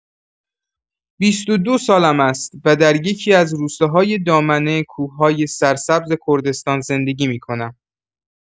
بیست و دو سالم است و در یکی‌از روستاهای دامنه کوه‌های سرسبز کردستان زندگی می‌کنم.